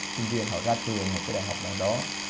sinh viên họ ra trường một cái đại học nào đó